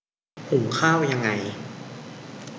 หุงข้าวยังไง